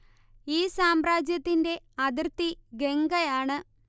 ഈ സാമ്രാജ്യത്തിന്റെ അതിർത്തി ഗംഗ ആണ്